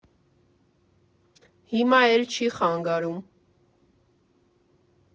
Հիմա էլ չի խանգարում։